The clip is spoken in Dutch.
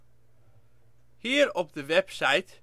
Hier, op de website